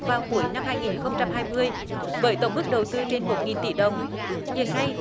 vào cuối năm hai nghìn không trăm hai mươi với tổng mức đầu tư trên một nghìn tỷ đồng hiện nay